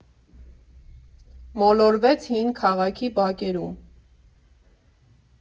Մոլորվեք հին քաղաքի բակերում։